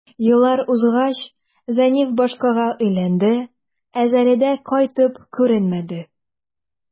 Еллар узгач, Зәниф башкага өйләнде, ә Зәлидә кайтып күренмәде.